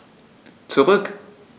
Zurück.